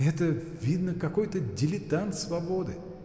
Это, видно, какой-то дилетант свободы!